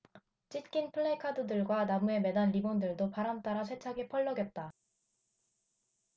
찢긴 플래카드들과 나무에 매단 리본들도 바람 따라 세차게 펄럭였다